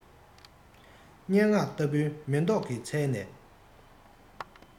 སྙན ངག ལྟ བུའི མེ ཏོག གི ཚལ ནས